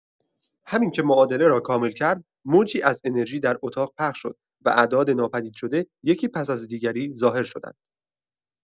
همین که معادله را کامل کرد، موجی از انرژی در اتاق پخش شد و اعداد ناپدیدشده یکی پس از دیگری ظاهر شدند.